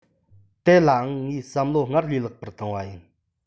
དེ ལའང ངས བསམ བློ སྔར ལས ལྷག པར བཏང བ ཡིན